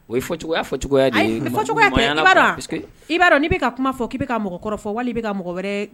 O ye fɔ cogoya fɔ cogoya i b'a dɔn bɛ ka kuma fɔ k'i bɛ ka mɔgɔ kɔrɔ wali bɛ mɔgɔ wɛrɛ